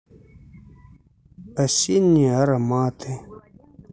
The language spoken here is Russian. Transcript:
осенние ароматы